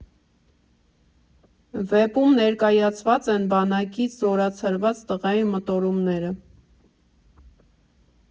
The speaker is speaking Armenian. Վեպում ներկայացված են բանակից զորացրված տղայի մտորումները։